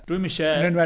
Dwi ddim isie...